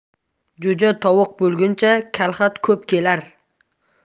jo'ja tovuq bo'lguncha kalxat ko'p kelar